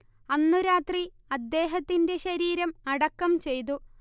അന്നു രാത്രി അദ്ദേഹത്തിന്റെ ശരീരം അടക്കം ചെയ്തു